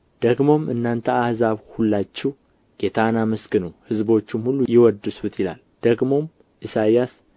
ደግሞም እናንተ አሕዛብ ሁላችሁ ጌታን አመስግኑ ሕዝቦቹም ሁሉ ይወድሱት ይላል ደግሞም ኢሳይያስ